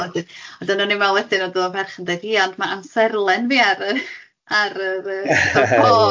...ond dan o'n i'n meddwl wedyn oedd o ferch yn deud ia ond ma' amserlen fi ar y ar yr yy ar y ffôn ie .